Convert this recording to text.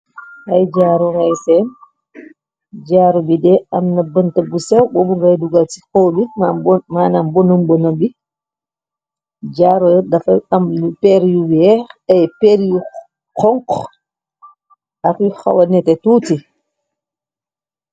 ay jaaru ngay seen jaaru bide am na bënt bu sew bobu ngay dugal ci xow bi maanam bonam bona bi jaaro dafal am lu per yu weex ay per yu konk ak yi xawa nete tuuti